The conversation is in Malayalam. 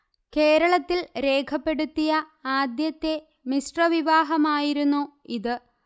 കേരളത്തിൽ രേഖപ്പെടുത്തിയ ആദ്യത്തെ മിശ്രവിവാഹമായിരുന്നു ഇത്